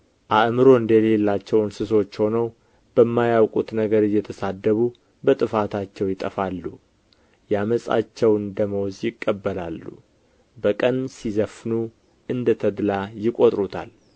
አእምሮ እንደ ሌላቸው እንስሶች ሆነው በማያውቁት ነገር እየተሳደቡ በጥፋታቸው ይጠፋሉ የዓመፃቸውን ደመወዝ ይቀበላሉ በቀን ሲዘፍኑ እንደ ተድላ ይቆጥሩታል